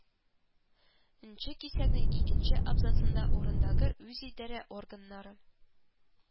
Нче кисәкнең икенче абзацында “урындагы үзидарә органнары